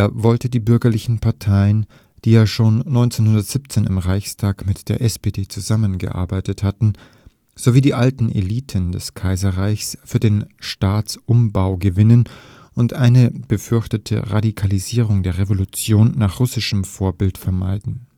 wollte die bürgerlichen Parteien, die ja schon 1917 im Reichstag mit der SPD zusammengearbeitet hatten, sowie die alten Eliten des Kaiserreichs für den Staatsumbau gewinnen und eine befürchtete Radikalisierung der Revolution nach russischem Vorbild vermeiden